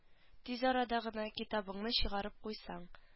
Тиз арада гына китабыңны чыгарып куйсаң